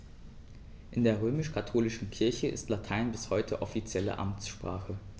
In der römisch-katholischen Kirche ist Latein bis heute offizielle Amtssprache.